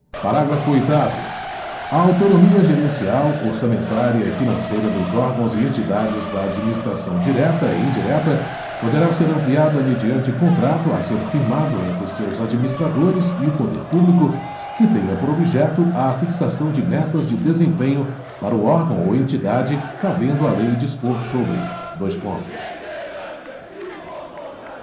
parágrafo oitavo a autonomia gerencial orçamentária e financeira dos órgãos e entidades da administração direta e indireta poderá ser ampliada mediante contrato a ser firmado entre seus administradores e o poder público que tenha por objeto a fixação de metas de desempenho para o órgão ou entidade cabendo à lei dispor sobre dois pontos